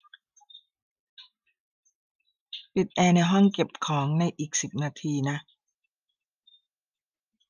ปิดแอร์ในห้องเก็บของในอีกสิบนาทีนะ